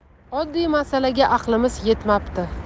oddiy masalaga aqlimiz yetmabdi